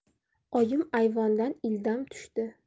oyim ayvondan ildam tushdi